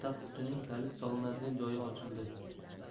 tagqutining kalit solinadigan joyi ochildi